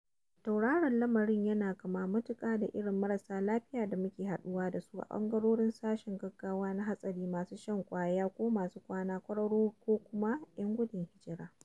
Tauraron lamarin yana kama matuƙa da irin marasa lafiyar da muke haɗuwa da su a ɓangarorin sashen gaggawa na hatsari - masu shan ƙwaya ko masu kwana a kwararo ko kuma 'yan gudun hijira.